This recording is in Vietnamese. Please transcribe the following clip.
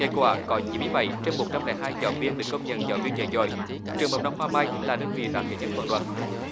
kết quả có chín mươi bảy trên một trăm lẻ hai giáo viên được công nhận giáo viên dạy giỏi trường mầm non hoa mai là đơn vị đạt giải nhất toàn đoàn